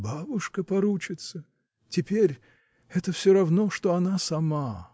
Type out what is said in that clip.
— Бабушка поручится: теперь — это всё равно, что она сама.